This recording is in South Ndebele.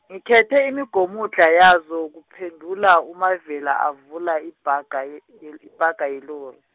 ngikhethe imigomudlha yazo kuphendula uMavela, avula ibhaga, ye-, il- ibhaga yelori.